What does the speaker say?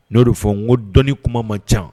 Ne y'o de fɔ n ko dɔnni kuma man ca